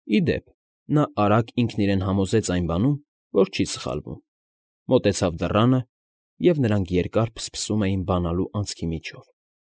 Ի դեպ, նա արագ ինքն իրեն համոզեց այն բանում, որ չի սխալվում, մոտեցավ դռանը, և նրանք երկար փսփսում էին բանալու անցքի միջով։